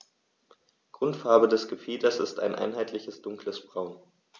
Grundfarbe des Gefieders ist ein einheitliches dunkles Braun.